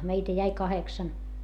meitä jäi kahdeksan